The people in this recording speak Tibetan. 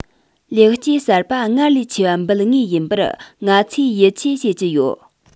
ལེགས སྐྱེས གསར པ སྔར ལས ཆེ བ འབུལ ངེས ཡིན པར ང ཚོས ཡིད ཆེས བྱེད ཀྱི ཡོད